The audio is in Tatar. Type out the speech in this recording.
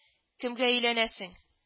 Кемгә өйләнәсең